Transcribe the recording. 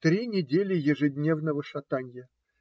Три недели ежедневного шатанья!